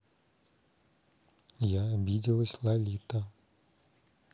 я обиделась лолита